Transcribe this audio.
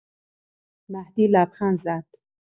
مهدی لبخند زد.